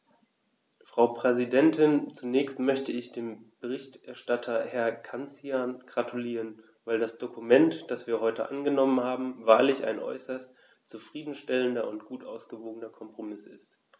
Frau Präsidentin, zunächst möchte ich dem Berichterstatter Herrn Cancian gratulieren, weil das Dokument, das wir heute angenommen haben, wahrlich ein äußerst zufrieden stellender und gut ausgewogener Kompromiss ist.